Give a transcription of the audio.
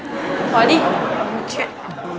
hỏi đi lắm chuyện